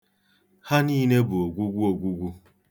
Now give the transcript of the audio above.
Ha niile bụ ogwugwu ogwugwu.